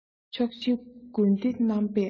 ཕྱོགས བཞིའི དགོན སྡེ རྣམ པས